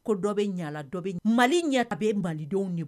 Ko dɔ bɛ ɲala dɔ mali ɲɛ a bɛ malidenw de